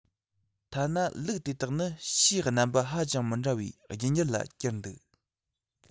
ཐ ན ལུག དེ དག ནི ཕྱིའི རྣམ པ ཧ ཅང མི འདྲ བའི རྒྱུད འགྱུར ལ གྱུར འདུག